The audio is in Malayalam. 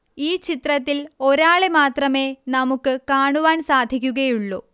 ഈ ചിത്രത്തിൽ ഒരാളെ മാത്രമേ നമുക്ക് കാണുവാൻ സാധിക്കുകയുള്ളൂ